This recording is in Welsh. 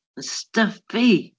Mae'n stuffy!